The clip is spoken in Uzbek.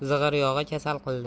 zig'ir yog'i kasal qildi